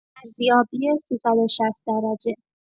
ارزیابی ۳۶۰ درجه